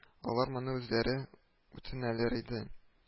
— алар моны үзләре үтенәләр иде